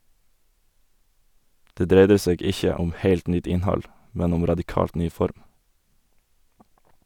Det dreidde seg ikkje om heilt nytt innhald , men om radikalt ny form.